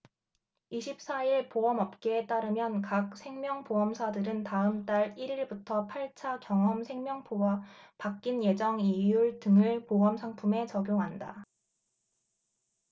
이십 사 일 보험업계에 따르면 각 생명보험사들은 다음달 일 일부터 팔 차 경험생명표와 바뀐 예정이율 등을 보험상품에 적용한다